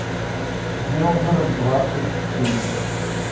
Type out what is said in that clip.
белгород двадцать четыре